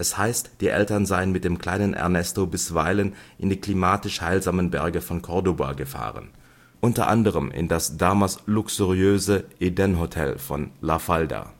heißt, die Eltern seien mit dem kleinen Ernesto bisweilen in die klimatisch heilsamen Berge von Córdoba gefahren, unter anderem in das damals luxuriöse Edén Hotel von La Falda